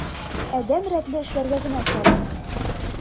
Адәм рәтле эшләргә генә сарыф ит.